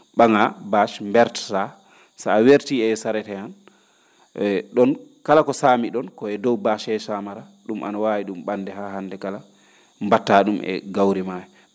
?a?aa bache mbertaa so a wertii e charette hee han e ?oon kala ko saami ?oon ko he dow bache hee saamara ?um ano waawi ?um ?a?de haa hannde kala mbattaa ?um e gawri maa hee